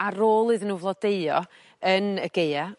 ar ôl iddyn n'w flodeuo yn y Gaea